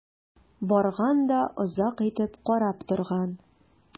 Барган да озак итеп карап торган.